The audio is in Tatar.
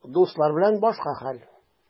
Дуслар белән башка хәл.